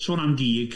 Sôn am gîg.